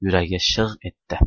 yuragi shig' etdi